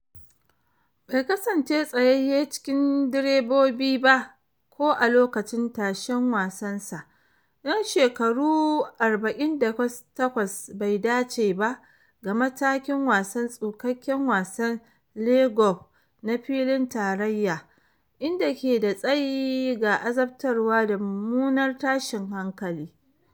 Bai kasance tsayayye cikin deribobi ba ko a lokacin tashen wasan sa, dan shekaru 48 bai dace ba ga matakin wasan tsukakken wasan Le Golf na filin Tarayya, inda ke da tsayi ga azabtarwa da mummunar tashin hankali.